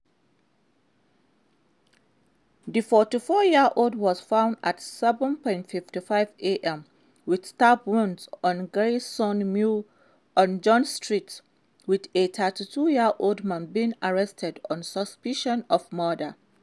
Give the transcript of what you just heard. The 44-year-old was found at 7.55am with stab wounds on Grayson Mews on John Street, with a 32-year-old man being arrested on suspicion of murder.